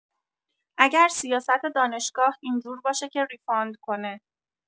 اگر سیاست دانشگاه اینجور باشه که ریفاند کنه